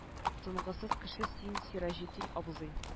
Тынгысыз кеше син сираҗетдин абзый